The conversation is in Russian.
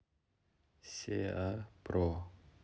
сеа про